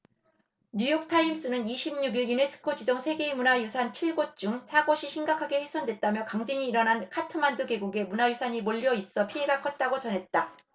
뉴욕타임스는 이십 육 일 유네스코 지정 세계문화유산 칠 곳 중 사 곳이 심각하게 훼손됐다며 강진이 일어난 카트만두 계곡에 문화유산이 몰려 있어 피해가 컸다고 전했다